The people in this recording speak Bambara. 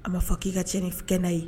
A ma fɔ k'i ka cɛ ni kɛ n' ye